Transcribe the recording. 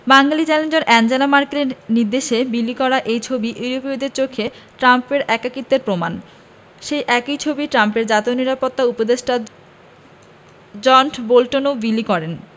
জার্মানির chancellor Angela ম্যার্কেলের নির্দেশে বিলি করা এই ছবি ইউরোপীয়দের চোখে ট্রাম্পের একাকিত্বের প্রমাণ সেই একই ছবি ট্রাম্পের জাতীয় নিরাপত্তা উপদেষ্টা জন বোল্টনও বিলি করেন